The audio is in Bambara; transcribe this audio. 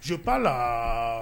Cɛ b'a la